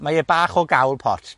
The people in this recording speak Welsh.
mae e bach o gawl piots.